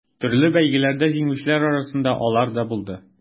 Төрле бәйгеләрдә җиңүчеләр арасында алар да булды.